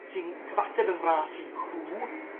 sy'n cyfateb yn fras i who.